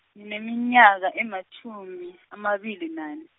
ngineminyaka ematjhumi, amabili nani.